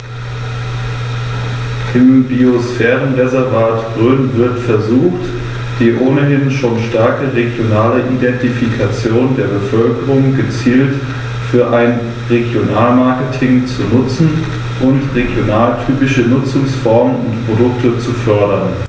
Im Biosphärenreservat Rhön wird versucht, die ohnehin schon starke regionale Identifikation der Bevölkerung gezielt für ein Regionalmarketing zu nutzen und regionaltypische Nutzungsformen und Produkte zu fördern.